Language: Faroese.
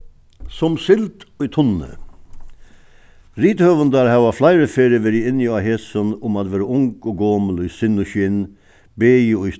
sum sild í tunni rithøvundar hava fleiri ferðir verið inni á hesum um at vera ung og gomul í sinn og skinn bæði í